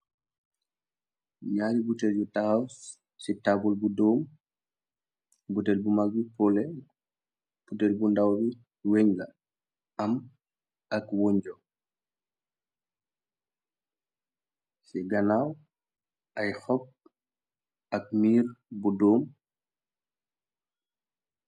ñaari butel yu taaw ci tabul bu dóom butel bu mag bi pole butel bu ndaw bi weñ la am ak wonjo ci ganaaw ay xop ak miir bu dóom